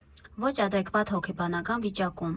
Ոչ ադեկտվատ հոգեբանական վիճակում։